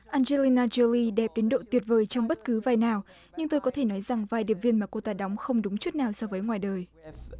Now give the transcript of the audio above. an giê li na rô li đẹp đến độ tuyệt vời trong bất cứ vai nào nhưng tôi có thể nói rằng vai điệp viên mà cô ta đóng không đúng chút nào so với ngoài đời